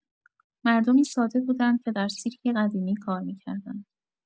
مردمی ساده بودند که در سیرکی قدیمی کار می‌کردند.